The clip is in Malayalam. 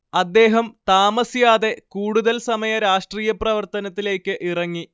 അദ്ദേഹം താമസിയാതെ കൂടുതൽ സമയ രാഷ്ട്രീയ പ്രവർത്തനത്തിലേക്ക് ഇറങ്ങി